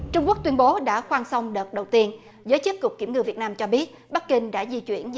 trung quốc tuyên bố đã khoan xong đợt đầu tiên với chi cục kiểm ngư việt nam cho biết bắc kinh để di chuyển